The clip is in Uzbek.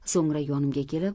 so'ngra yonimga kelib